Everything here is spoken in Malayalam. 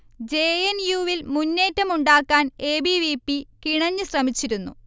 ജെ. എൻ. യു. വിൽ മുന്നേറ്റം ഉണ്ടാക്കാൻ എ. ബി. വി. പി കിണഞ്ഞ് ശ്രമിച്ചിരുന്നു